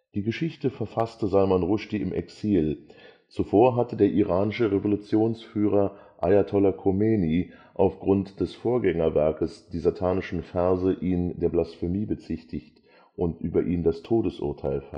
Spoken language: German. Die Geschichte verfasste Salman Rushdie im Exil. Zuvor hatte der iranische Revolutionsführer Ajatollah Khomeini aufgrund des Vorgängerwerkes Die satanischen Verse ihn der Blasphemie bezichtigt und über ihn das Todesurteil